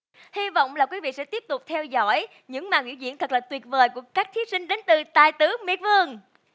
hi vọng là quý vị sẽ tiếp tục theo dõi những màn biểu diễn thật là tuyệt vời của các thí sinh đến từ tài tử miệt vườn